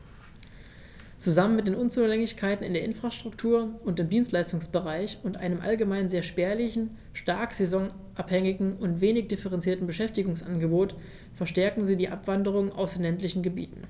Zusammen mit den Unzulänglichkeiten in der Infrastruktur und im Dienstleistungsbereich und einem allgemein sehr spärlichen, stark saisonabhängigen und wenig diversifizierten Beschäftigungsangebot verstärken sie die Abwanderung aus den ländlichen Gebieten.